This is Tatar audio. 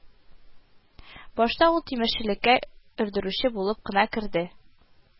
Башта ул тимерчелеккә өрдерүче булып кына керде